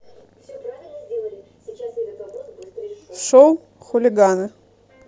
шоу хулиганы